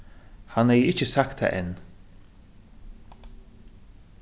hann hevði ikki sagt tað enn